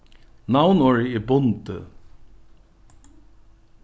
navnorðið er bundið